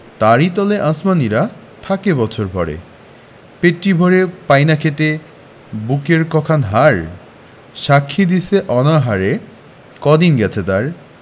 তারি তলে আসমানীরা থাকে বছর ভরে পেটটি ভরে পায় না খেতে বুকের ক খান হাড় সাক্ষী দিছে অনাহারে কদিন গেছে তার